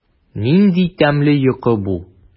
Нинди тәмле йокы бу!